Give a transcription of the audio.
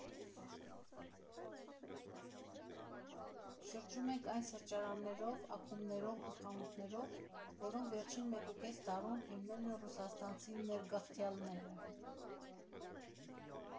Շրջում ենք այն սրճարաններով, ակումբներով ու խանութներով, որոնք վերջին մեկուկես տարում հիմնել են ռուսաստանցի ներգաղթյալները։